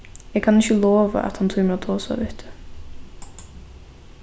eg kann ikki lova at hann tímir at tosa við teg